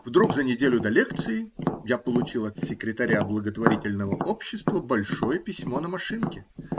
Вдруг за неделю до лекции я получил от секретаря благотворительного общества большое письмо на машинке.